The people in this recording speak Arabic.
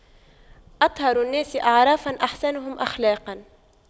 أطهر الناس أعراقاً أحسنهم أخلاقاً